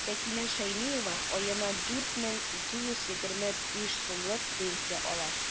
Сәкинә Шәймиева аена 4 мең 225 сумлык пенсия ала.